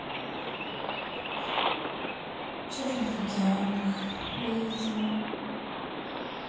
черви в океанах видео